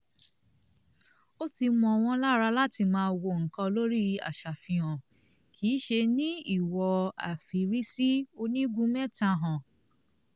Ó ti mọ́ wọn lára láti máa wo nǹkan lórí aṣàfihàn, kìí ṣe ní ìwò-afìrísí-onígun-mẹ́ta-hàn.